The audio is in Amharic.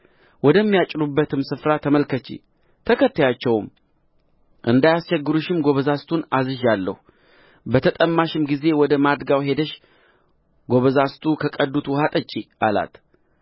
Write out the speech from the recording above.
ወደሚያጭዱበትም ስፍራ ተመልከቺ ተከተያቸውም እንዳያስቸግሩሽም ጐበዛዝቱን አዝዣለሁ በተጠማሽም ጊዜ ወደ ማድጋው ሄደሽ ጐበዛዝቱ ከቀዱት ውኃ ጠጪ አላት